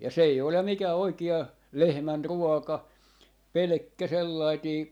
ja se ei ole mikään oikea lehmänruoka pelkkä sellainen